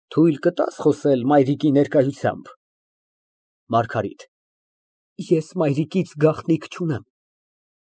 Թույլ կտա՞ս խոսել մայրիկի ներկայությամբ։ ՄԱՐԳԱՐԻՏ ֊ Ես մայրիկից գաղտնիք չունեմ։